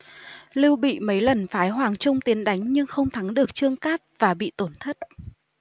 lưu bị mấy lần phái hoàng trung tiến đánh nhưng không thắng được trương cáp và bị tổn thất